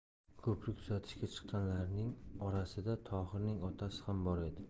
ko'prik tuzatishga chiqqanlarning orasida tohirning otasi ham bor edi